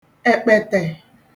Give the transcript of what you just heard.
ẹ̀kpẹ̀tẹ̀